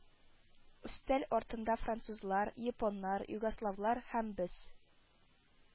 Өстәл артында французлар, японнар, югославлар һәм без